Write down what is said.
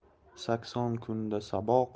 sakson kunda saboq